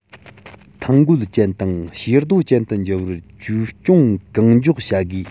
ཐང རྒོད ཅན དང བྱེ རྡོ ཅན དུ འགྱུར བར བཅོས སྐྱོང གང མགྱོགས བྱ དགོས